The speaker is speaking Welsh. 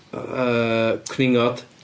Yy cwningod.